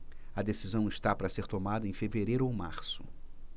a decisão está para ser tomada em fevereiro ou março